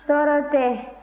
tɔɔrɔ tɛ